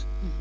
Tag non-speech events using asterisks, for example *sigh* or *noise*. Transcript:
*hesitation* *hesitation*